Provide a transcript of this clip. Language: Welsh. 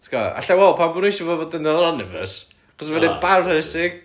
ti'n gwbod alla i weld pam bod nhw isio fo fod yn anonymous? Achos ma'n embarrasing